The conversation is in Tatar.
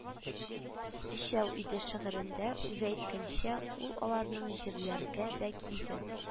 Өчәү иде» шигырендә үзе әйткәнчә, ул аларны җирләргә дә килде